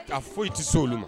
A foyi tɛ se olu ma.